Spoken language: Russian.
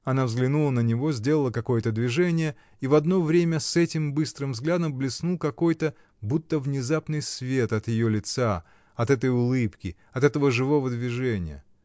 Она взглянула на него, сделала какое-то движение, и в одно время с этим быстрым взглядом блеснул какой-то будто внезапный свет от ее лица, от этой улыбки, от этого живого движения.